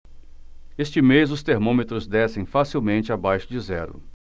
este mês os termômetros descem facilmente abaixo de zero